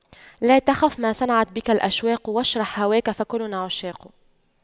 لا تخف ما صنعت بك الأشواق واشرح هواك فكلنا عشاق